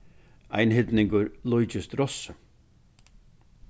einhyrningur líkist rossi